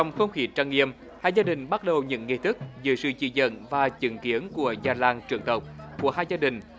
trong không khí trang nghiêm hai gia đình bắt đầu những nghi thức dưới sự chỉ dẫn và chứng kiến của già làng trưởng tộc của hai gia đình